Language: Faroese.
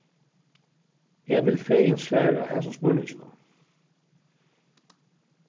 eg vil fegin svara hasum spurninginum